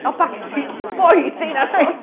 O, Backstreet Boys 'di heina siŵr!